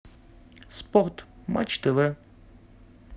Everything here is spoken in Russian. спорт матч тв